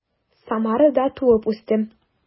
Самарда туып үстем.